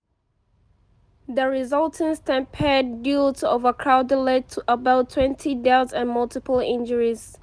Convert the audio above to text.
The resulting stampede due to overcrowding led to about 20 deaths and multiple injuries.